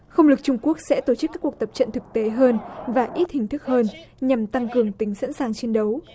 không lực trung quốc sẽ tổ chức các cuộc tập trận thực tế hơn và ít hình thức hơn nhằm tăng cường tính sẵn sàng chiến đấu